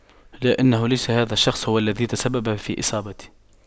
لا انه ليس هذا الشخص هو الذي تسبب في إصابتي